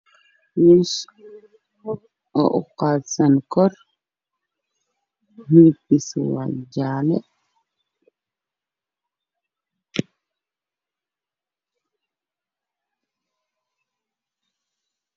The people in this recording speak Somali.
Miis oo uqaad san hor midab kiisu waa jaale